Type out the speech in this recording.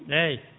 eeyi